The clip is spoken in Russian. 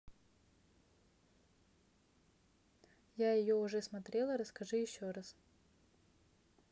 я ее уже смотрела расскажи еще раз